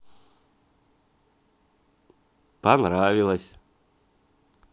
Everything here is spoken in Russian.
понравилось